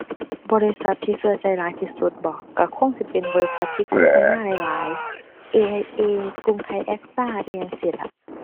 บริษัทที่เชื่อใจหลายที่สุดบ่ เชื่อคงสิเป็นบริษัทที่โฆษณาหลายหลาย AIA กรุงไทย-แอกซ่า อิหยังจั่งซี้ล่ะ